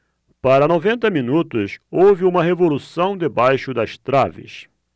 para noventa minutos houve uma revolução debaixo das traves